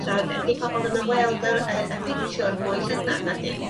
'di pobol ddim yn weld yr yy y pictiwr mwy llydan nadi?